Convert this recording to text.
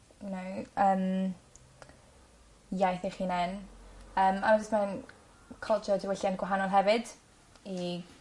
you know yym iaith eich hunen. Yym a jys' ma'n codi o diwylliant gwahanol hefyd i